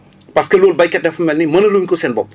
parce que loolu béykat dafa mel ni mënaluñ ko seen bopp